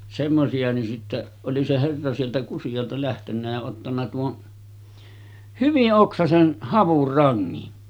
semmoisia niin sitten oli se herra sieltä Kusialta lähtenyt ja ottanut tuon hyvin oksaisen havunrangin